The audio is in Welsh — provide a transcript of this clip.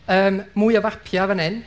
yy mwy o fapiau fan hyn.